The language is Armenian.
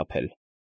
Թափել։